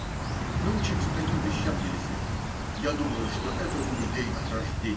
Научиться таким вещам нельзя; я думаю, что это у людей от рождения.